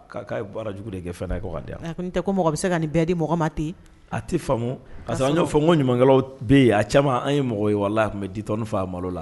'a ye bara jugu de kɛ fana ye di yan tɛ ko mɔgɔ bɛ se ka nin bɛn di mɔgɔ ma tɛ a tɛ famu parce an y' fɔ ko ɲamakala bɛ yen a caman an ye mɔgɔ ye walala tun bɛ di faa a malo la